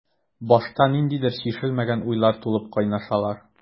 Башта ниндидер чишелмәгән уйлар тулып кайнашалар.